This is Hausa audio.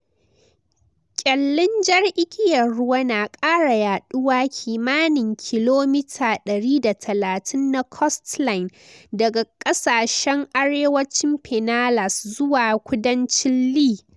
Kyallin Jar Igiyar Ruwa na kara yaduwa kimanin kilomita 130 na coastline daga kasashen arewacin Pinellas zuwa kudancin Lee.